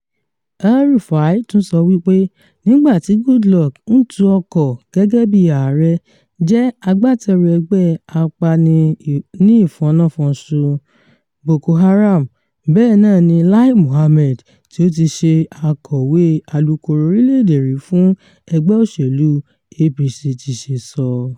El-Rufai tún sọ wípé nígbà tí Goodluck ń tu ọkọ̀ gẹ́gẹ́ bí ààrẹ, jẹ́ agbátẹrù ẹgbẹ́ apani-ní- ìfọnná-finṣu Boko Haram. Bẹ́ẹ̀ náà ni Láí Mohammed tí ó ti ṣe Akọ̀wé Alukoro Orílẹ̀-èdè rí fún ẹgbẹ́ òṣèlú APC ti ṣe sọ.